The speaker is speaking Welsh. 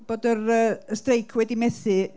bod yr yy y streic wedi methu.